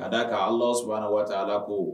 Ka da a kan ala s waa la ko